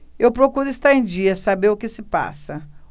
eu procuro estar em dia saber o que se passa